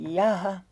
jaaha